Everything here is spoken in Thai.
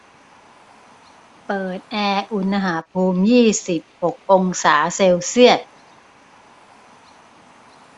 เปิดแอร์อุณหภูมิยี่สิบหกองศาเซลเซียส